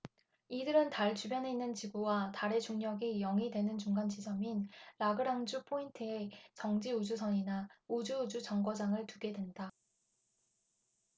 이들은 달 주변에 있는 지구와 달의 중력이 영 이 되는 중간 지점인 라그랑쥬포인트에 정지 우주선이나 우주우주정거장을 두게 된다